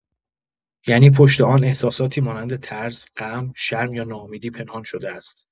یعنی پشت آن احساساتی مانند ترس، غم، شرم یا ناامیدی پنهان شده است.